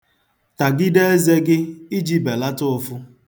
Tagide eze gị iji belata ụfụ.